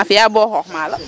Na fi'aa bo xoox maalo .